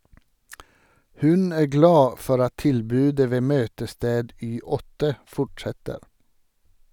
Hun er glad for at tilbudet ved Møtested Y8 fortsetter.